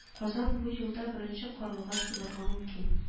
Казан бу юлда беренче карлыгач булырга мөмкин